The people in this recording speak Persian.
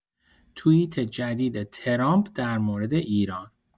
توییت جدید ترامپ در مورد ایران